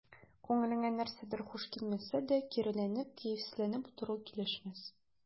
Күңелеңә нәрсәдер хуш килмәсә дә, киреләнеп, кәефсезләнеп утыру килешмәс.